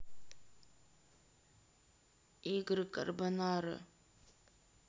игры карбонара